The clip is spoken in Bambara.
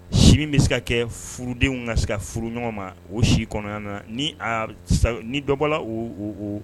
Si min bɛ se ka kɛ furudenw ka se ka furu ɲɔgɔn ma o si kɔnɔnaya na ni ni dɔbɔla